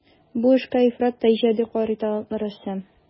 Бу эшкә ифрат та иҗади карый талантлы рәссам.